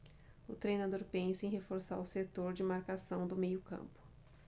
o treinador pensa em reforçar o setor de marcação do meio campo